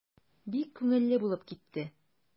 Бик күңелле булып китте.